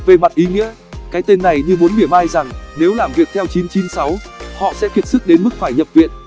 về mặt ý nghĩa cái tên này như muốn mỉa mai rằng nếu làm việc theo họ sẽ kiệt sức đến mức phải nhập viện